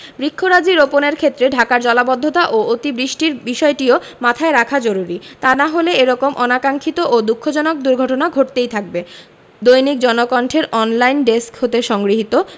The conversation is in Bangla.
বৃক্ষরাজি রোপণের ক্ষেত্রে ঢাকার জলাবদ্ধতা ও অতি বৃষ্টির বিষয়টিও মাথায় রাখা জরুরী তা না হলে এ রকম অনাকাংক্ষিত ও দুঃখজনক দুর্ঘটনা ঘটতেই থাকবে দৈনিক জনকণ্ঠের অনলাইন ডেস্ক হতে সংগৃহীত